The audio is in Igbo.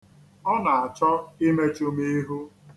Ọ na-achọ imechu m ihu.